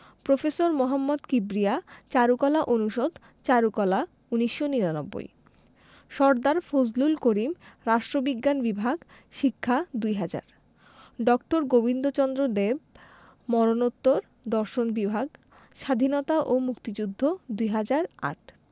Professor Mohammad Kibria চারুকলা অনুষদ চারুকলা ১৯৯৯ সরদার ফজলুল করিম রাষ্ট্রবিজ্ঞান বিভাগ শিক্ষা ২০০০ ড. গোবিন্দচন্দ্র দেব মরনোত্তর দর্শন বিভাগ স্বাধীনতা ও মুক্তিযুদ্ধ ২০০৮